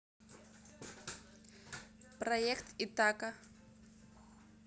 проект итака